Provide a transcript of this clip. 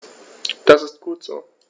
Das ist gut so.